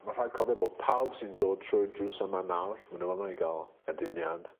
Ma' rhaid cofio bo' pawb sy'n dod trwy'r drws yma nawr ma' n'w yma i ga'l aduniad